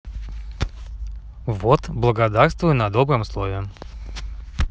вот благодарствую на добром слове